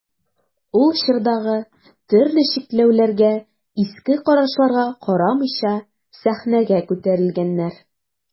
Ул чордагы төрле чикләүләргә, иске карашларга карамыйча сәхнәгә күтәрелгәннәр.